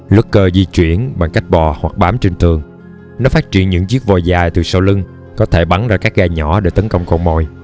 lurker di chuyển bằng cách bò hoặc bám trên tường nó phát triển những chiếc vòi dài từ sau lưng có thể bắn ra các gai nhỏ để tấn công con mồi